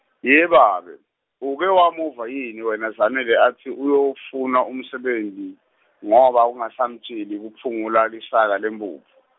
yebabe, uke wamuva yini wena Zanele atsi uyofuna umsebenti , ngoba kungasamtjeli kuphungula lisaka lemphuphu.